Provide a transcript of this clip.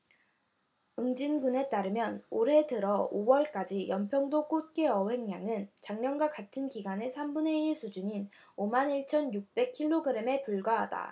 옹진군에 따르면 올해 들어 오 월까지 연평도 꽃게 어획량은 작년 같은 기간의 삼 분의 일 수준인 오 만 일 천 육백 킬로그램에 불과하다